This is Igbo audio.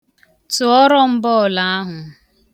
Tụọrọ m bọọlụ ahụ.